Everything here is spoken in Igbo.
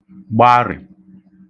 gbarị̀